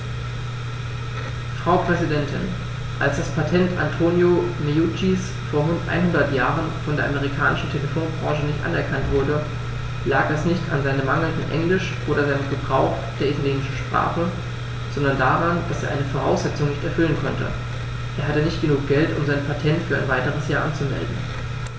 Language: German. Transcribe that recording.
Frau Präsidentin, als das Patent Antonio Meuccis vor einhundert Jahren von der amerikanischen Telefonbranche nicht anerkannt wurde, lag das nicht an seinem mangelnden Englisch oder seinem Gebrauch der italienischen Sprache, sondern daran, dass er eine Voraussetzung nicht erfüllen konnte: Er hatte nicht genug Geld, um sein Patent für ein weiteres Jahr anzumelden.